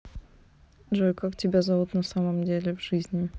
джой как тебя зовут на самом деле в жизни